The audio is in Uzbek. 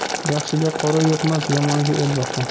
yaxshiga qora yuqmas yomonga el boqmas